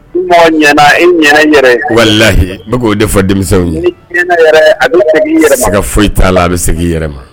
N i ɲɛ yɛrɛ walilayi i k oo de fɔ denmisɛnw ye bɛ yɛrɛ se ka foyi ta' la a bɛ segin i yɛrɛ ma